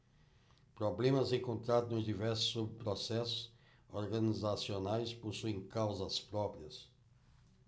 problemas encontrados nos diversos subprocessos organizacionais possuem causas próprias